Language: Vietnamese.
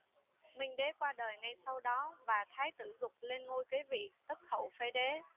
minh đế qua đời ngay sau đó và thái tử dục lên ngôi kế vị tức hậu phế đế